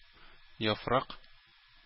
Яфрак